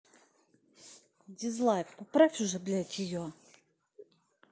дизлайк поправьте уже блядь ее